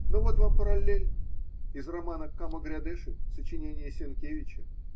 Но вот вам параллель – из романа Камо грядеши, сочинение Сенкевича.